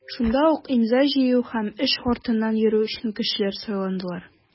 Шунда ук имза җыю һәм эш артыннан йөрү өчен кешеләр сайладылар.